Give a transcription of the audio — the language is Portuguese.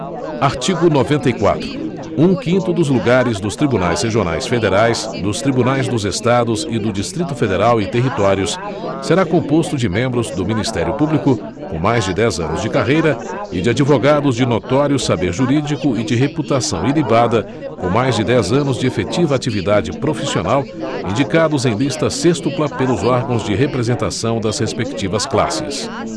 artigo noventa e quatro um quinto dos lugares dos tribunais regionais federais dos tribunais dos estados e do distrito federal e territórios será composto de membros do ministério público com mais de dez anos de carreira e de advogados de notório saber jurídico e de reputação ilibada com mais de dez anos de efetiva atividade profissional indicados em lista sêxtupla pelos órgãos de representação das respectivas classes